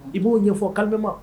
I b'o ɲɛfɔ calmement